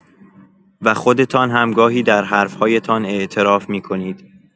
و خودتان هم گاهی در حرف‌هایتان اعتراف می‌کنید!